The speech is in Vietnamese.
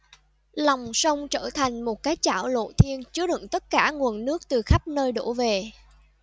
lòng sông trở thành một cái chảo lộ thiên chứa đựng tất cả nguồn nước từ khắp nơi đổ về